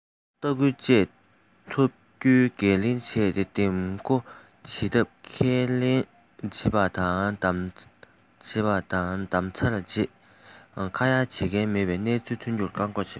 དམངས གཙོ ལྟ སྐུལ བཅས ཐུབ རྒྱུའི འགན ལེན བྱས ཏེ འདེམས བསྐོ བྱེད སྐབས ཁས ལེན བྱེད པ དང བདམས ཚར རྗེས ཁ ཡ བྱེད མཁན མེད པའི སྣང ཚུལ ཐོན རྒྱུ གཏན འགོག བྱེད དགོས